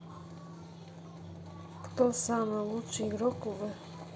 кто самый лучший игрок в